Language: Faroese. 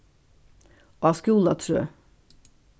á skúlatrøð